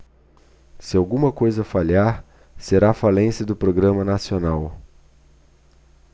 se alguma coisa falhar será a falência do programa nacional